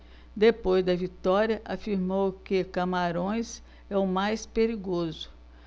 depois da vitória afirmou que camarões é o mais perigoso